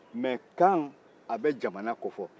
nka kan a bɛ jamana kofɔ